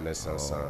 Bɛ sara sara